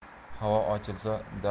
havo ochilsa dalaga